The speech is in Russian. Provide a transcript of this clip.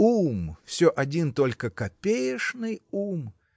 ум, все один только копеечный ум.